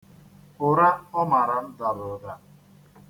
Ụra ọ mara m dara ụda.